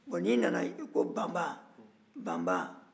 bɔn n'i nana i ko banba banba